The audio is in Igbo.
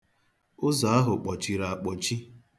Ụzọ ahụ kpọchiri akpọchi.